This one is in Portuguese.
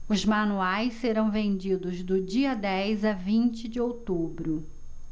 os manuais serão vendidos do dia dez a vinte de outubro